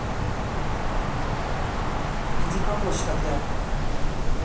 иди помочь тогда